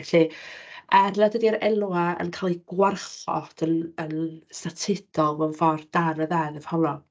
Felly, er nad ydy'r enwau yn cael eu gwarchod yn yn statudol mewn ffordd dan y ddeddf honno...